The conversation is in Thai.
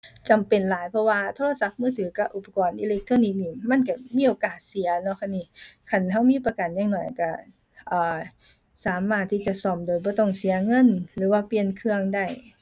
จำเป็นหลาย เพราะว่าโทรศัพท์มือถือกับอุปกรณ์อิเล็กทรอนิกส์นี่มันก็มีโอกาสเสียเนาะค่ะหนิ คันก็มีประกันอย่างน้อยก็ อ่า สามารถที่จะซ่อมโดยบ่ต้องเสียเงิน หรือว่าเปลี่ยนเครื่องได้